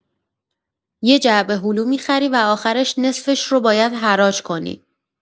یه جعبه هلو می‌خری و آخرش نصفش رو باید حراج کنی.